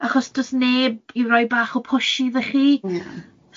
Achos does neb i roi bach o push iddach chi.